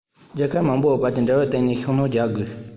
རྒྱལ ཁབ མང པོའི བར གྱི འབྲེལ བ སྟེང ནས ཤུགས སྣོན རྒྱག དགོས